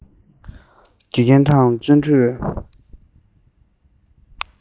དགེ རྒན དང བརྩོན འགྲུས